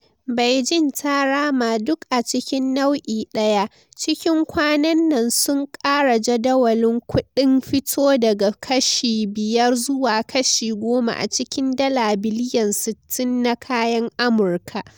Beijing ta rama duk acikin nau'i daya, cikin kwanan nan sun kara jadawalin kuɗin fito daga kashi biyar zuwa kashi goma a cikin dala biliyan 60 na kayan Amurka.